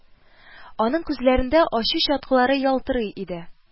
Аның күзләрендә ачу чаткылары ялтырый иде